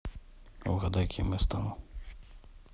угадайте кем я стану